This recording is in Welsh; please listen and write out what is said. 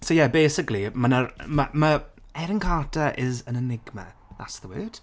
So yeah basically ma' 'na r- ma- ma- Erin Carter is an enigma. That's the word.